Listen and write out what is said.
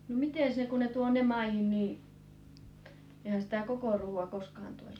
no miten se kun ne tuo ne maihin niin eihän sitä koko ruhoa koskaan tuoda